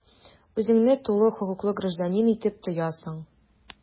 Үзеңне тулы хокуклы гражданин итеп тоясың.